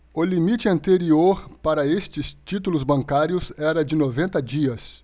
o limite anterior para estes títulos bancários era de noventa dias